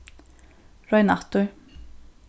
royn aftur